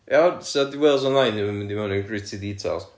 Iawn so 'di Wales Online ddim yn mynd i mewn i'r gritty details